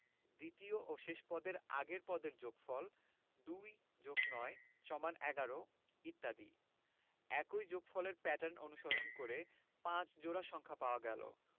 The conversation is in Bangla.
দ্বিতীয় ও শেষ পদের আগের পদের যোগফল ২+৯=১১ ইত্যাদি একই যোগফলের প্যাটার্ন অনুসরণ করে ৫ জোড়া সংখ্যা পাওয়া গেল